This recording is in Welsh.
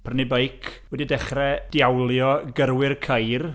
Prynu beic, wedi dechrau diawlio gyrrwyr ceir.